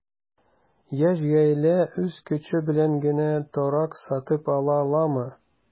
Яшь гаилә үз көче белән генә торак сатып ала аламы?